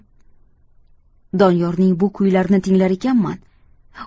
doniyorning bu kuylarini tinglar ekanman